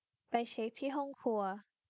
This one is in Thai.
ไปเช็คที่ห้องครัว